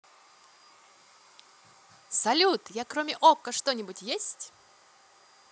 салют я кроме okko что нибудь есть